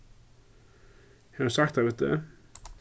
hevur hann sagt tað við teg